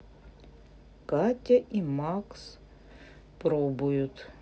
катя и макс пробуют